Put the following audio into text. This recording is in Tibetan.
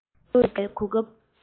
བོད དུ འགྲོ བའི གོ སྐབས